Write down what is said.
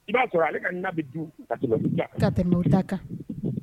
I b'a ale ka nabi ka tɛmɛta kan